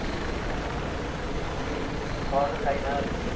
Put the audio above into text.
qoni qaynab